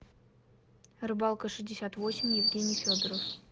рыбалка шестьдесят восемь евгений федоров